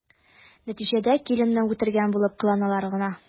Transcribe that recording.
Нәтиҗәдә киленне үтергән булып кыланалар гына.